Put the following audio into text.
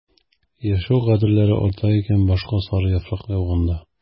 Яшәү кадерләре арта икән башка сары яфрак яуганда...